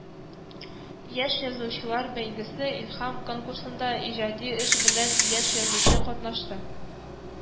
Яшь язучылар бәйгесе - “Илһам” конкурсында иҗади эш белән яшь язучы катнашты